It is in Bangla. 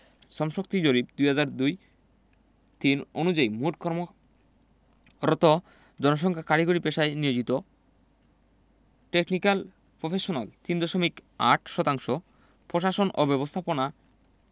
শ্রমশক্তি জরিপ ২০০২ ০৩ অনুযায়ী মোট কর্মরত জনসংখ্যার কারিগরি পেশায় নিয়োজিত টেকনিকাল প্রফেশনাল ৩ দশমিক ৮ শতাংশ প্রশাসন ও ব্যবস্থাপনা